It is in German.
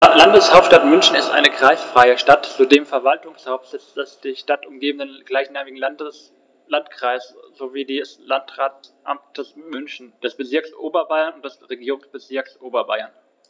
Die Landeshauptstadt München ist eine kreisfreie Stadt, zudem Verwaltungssitz des die Stadt umgebenden gleichnamigen Landkreises sowie des Landratsamtes München, des Bezirks Oberbayern und des Regierungsbezirks Oberbayern.